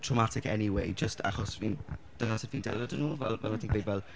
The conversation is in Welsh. traumatic anyway jyst achos fi'n deall sut fi'n delio 'da nhw. Fel, fel oeddet ti'n gweud fel...